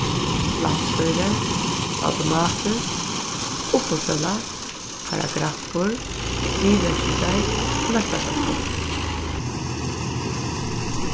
landsstýri automatiskt uppboðssøla paragraffur viðmerkingar flóttafólkum